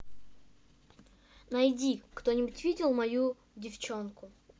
найди кто нибудь видел мою девчонку